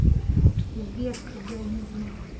верх эгоизма